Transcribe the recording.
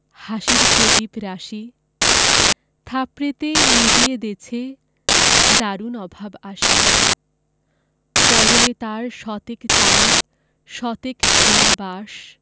হাসির প্রদিপ রাশি থাপড়েতে নিবিয়ে দেছে দারুণ অভাব আসি পরনে তার শতেক তালির শতেক ছেঁড়া বাস